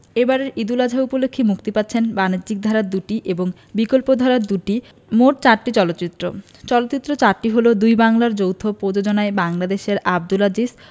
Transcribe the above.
এবারের ঈদ উল আযহা উপলক্ষে মুক্তি পাচ্ছে বাণিজ্যিক ধারার দুটি এবং বিকল্পধারার দুটি মোট চারটি চলচ্চিত্র চলচ্চিত্র চারটি হলো দুই বাংলার যৌথ প্রযোজনায় বাংলাদেশের আবদুল আজিজ